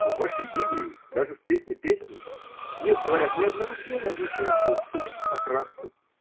В вашей Библии – даже в Песни песней – нет, говорят, ни одного слова, означающего цвет, окраску.